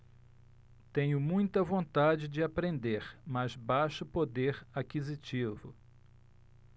tenho muita vontade de aprender mas baixo poder aquisitivo